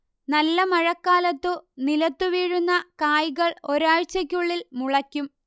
നല്ല മഴക്കാലത്തു നിലത്തുവീഴുന്ന കായ്കൾ ഒരാഴ്ചയ്ക്കുള്ളിൽ മുളയ്ക്കും